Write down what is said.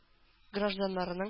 Гражданнарның